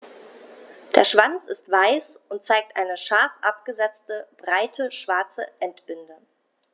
Der Schwanz ist weiß und zeigt eine scharf abgesetzte, breite schwarze Endbinde.